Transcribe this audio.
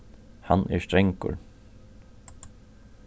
hann er strangur